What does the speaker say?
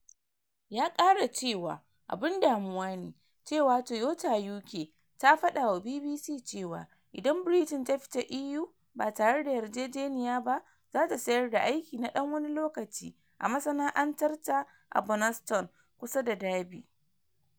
Ya kara cewa abun “damuwa ne” cewa Toyota UK ta fada wa BBC cewa idan Britain ta fita EU ba tare da yarjejeniya ba zata sayar da aiki na dan wani lokaci a masana’antar ta a Burnaston, kusa da Derby.